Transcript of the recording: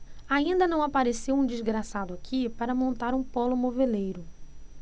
ainda não apareceu um desgraçado aqui para montar um pólo moveleiro